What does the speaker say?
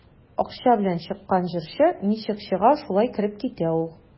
Акча белән чыккан җырчы ничек чыга, шулай кереп китә ул.